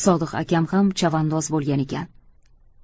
sodiq akam ham chavandoz bo'lgan ekan